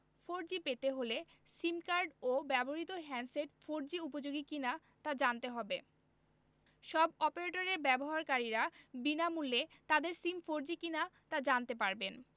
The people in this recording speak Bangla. ফোরজি পেতে হলে সিম কার্ড ও ব্যবহৃত হ্যান্ডসেট ফোরজি উপযোগী কিনা তা জানতে হবে সব অপারেটরের ব্যবহারকারীরা বিনামূল্যে তাদের সিম ফোরজি কিনা তা জানতে পারবেন